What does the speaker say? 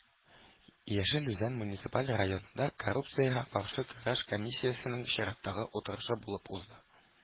Яшел Үзән муниципаль районында коррупциягә каршы көрәш комиссиясенең чираттагы утырышы булып узды.